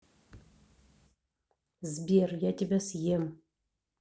сбер я тебя съем